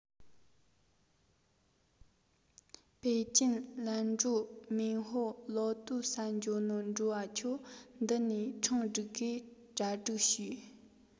པེ ཅིན ལན ཀྲོའུ མེན ཧོ ལོ ཏུའུ ས འགྱོ ནོ འགྲུལ བ ཆོ འདི ནས འཕྲེང སྒྲིགས གས གྲ སྒྲིག བྱོས